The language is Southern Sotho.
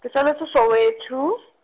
ke tswaletswe Soweto.